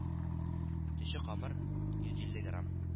Төче камыр, йөз илле